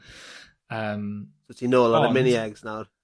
yym... Wyt ti nôl ar y... ...ond... ...mini eggs nawr?